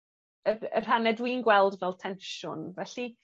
y y rhanne dwi'n gweld fel tensiwn, felly